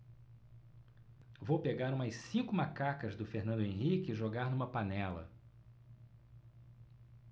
vou pegar umas cinco macacas do fernando henrique e jogar numa panela